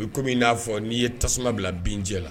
I bɛ komi min n'a fɔ n'i ye tasuma bila bincɛ la